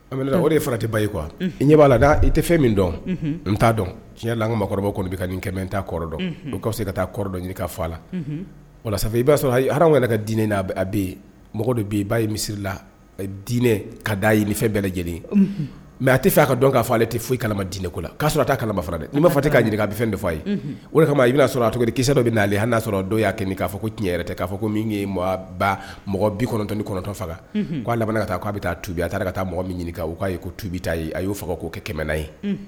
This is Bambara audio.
O de fara tɛ ba ye kuwa i ɲɛ b'a la i tɛ fɛn min dɔn na dɔn diɲɛlan ka mɔgɔkɔrɔba kɔnɔ nin kɛmɛ n kɔrɔ dɔn se ka taa kɔrɔ dɔn ka fa la wala i'a ka dinɛ a bɛ i'a ye misiri la dinɛ ka daa ye ni fɛn bɛɛ lajɛlen mɛ a tɛ' ka dɔn k'a ale tɛ fo i kalama dinɛ ne ko la k'a sɔrɔ taa kala fara dɛ n b'a fɔ k kaa ɲininka a bɛ fɛn de fa ye o kama i bɛna'a sɔrɔ a tokisɛsɛ dɔ bɛ'ale' n y'a sɔrɔ dɔw y'a kɛ k'a fɔ ko cɛn k'a fɔ ko min ye mɔgɔ bi kɔnɔntɔn ni kɔnɔntɔn faga k'a taa k'a bɛ taa tubi a taara taa mɔgɔ min ɲini u' ye ko tubi ta a y'o fɔ ko kɛ kɛmɛnaa ye